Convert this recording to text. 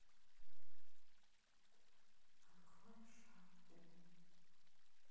открой шаг три